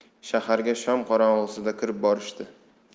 shaharga shom qorong'isida kirib borishdi